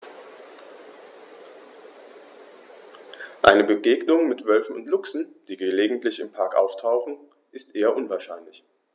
Eine Begegnung mit Wölfen oder Luchsen, die gelegentlich im Park auftauchen, ist eher unwahrscheinlich.